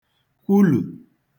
kwulu